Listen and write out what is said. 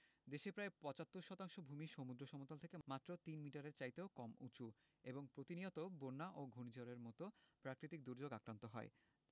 দেশের প্রায় ৭৫ শতাংশ ভূমিই সমুদ্র সমতল থেকে মাত্র তিন মিটারের চাইতেও কম উঁচু এবং প্রতিনিয়ত বন্যা ও ঘূর্ণিঝড়ের মতো প্রাকৃতিক দুর্যোগে আক্রান্ত হয়